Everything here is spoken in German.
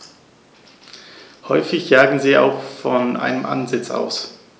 Häufig jagen sie auch von einem Ansitz aus.